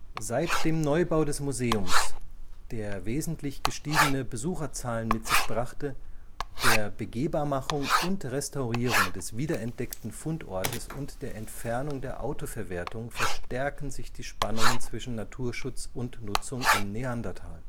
Seit dem Neubau des Museums, der wesentlich gestiegene Besucherzahlen mit sich brachte, der Begehbarmachung und Restaurierung des wiederentdeckten Fundortes und der Entfernung der Autoverwertung verstärken sich die Spannungen zwischen Naturschutz und Nutzung im Neandertal